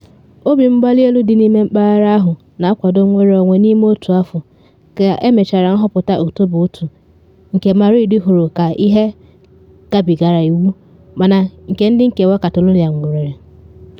Obi mgbali elu dị n’ime mpaghara ahụ na akwado nnwere onwe n’ime otu afọ ka emechara nhọpụta Ọktoba 1 nke Madrid hụrụ ka ihe gabigara iwu mana nke ndị nkewa Catalonia nwụrịrị.